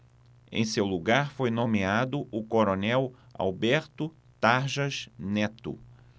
em seu lugar foi nomeado o coronel alberto tarjas neto